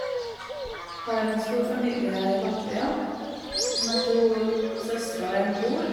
Har en stor familie i Latvia, med to søstre og en bror.